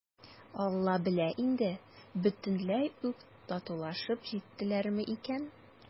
«алла белә инде, бөтенләй үк татулашып җиттеләрме икән?»